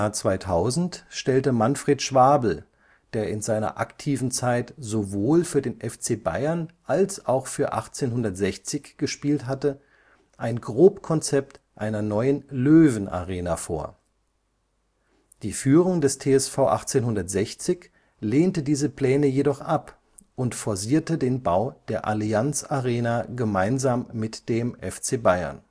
2000 stellte Manfred Schwabl, der in seiner aktiven Zeit sowohl für den FC Bayern als auch für 1860 gespielt hatte, ein Grobkonzept einer neuen Löwenarena vor. Die Führung des TSV 1860 lehnte diese Pläne jedoch ab und forcierte den Bau der Allianz Arena gemeinsam mit dem FC Bayern